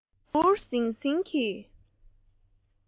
འུར འུར ཟིང ཟིང གིས